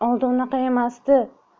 oldin unaqa emasdi